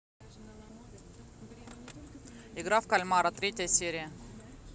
игра в кальмара третья серия